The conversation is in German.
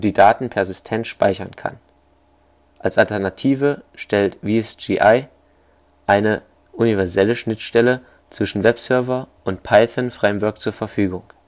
Daten persistent speichern kann. Als Alternative stellt WSGI eine universelle Schnittstelle zwischen Webserver und Python (- Framework) zur Verfügung